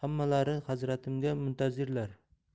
xonim oyi hammalari hazratimga muntazirlar